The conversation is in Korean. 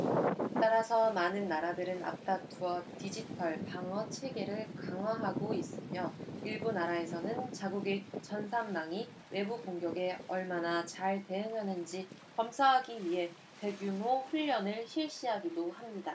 따라서 많은 나라들은 앞다투어 디지털 방어 체계를 강화하고 있으며 일부 나라에서는 자국의 전산망이 외부 공격에 얼마나 잘 대응하는지 검사하기 위해 대규모 훈련을 실시하기도 합니다